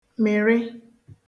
mị̀rị̀